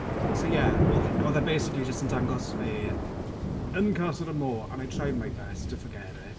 So yeah, oedd... oedd e basically just yn dangos fe, yn Casa Amor, and I tried my best to forget it.